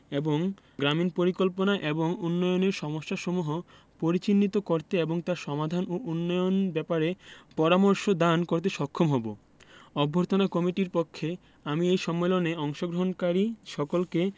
এবং আমরা গ্রামীন পরিকল্পনা এবং উন্নয়নের সমস্যাসমূহ পরিচিহ্নিত করতে এবং তার সমাধান ও উন্নয়ন ব্যাপারে পরামর্শ দান করতে সক্ষম হবো অভ্যর্থনা কমিটির পক্ষে আমি এই সম্মেলনে অংশগ্রহণকারী সকলকে